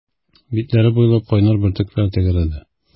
Битләре буйлап кайнар бөртекләр тәгәрәде.